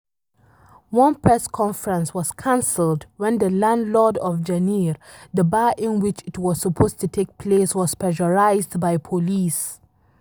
One press conference was cancelled when the landlord of Janeer, the bar in which it was supposed to take place, was pressurised by police.